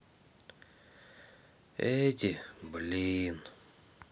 эти блин